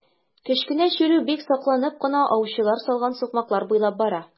Кечкенә чирү бик сакланып кына аучылар салган сукмаклар буйлап бара.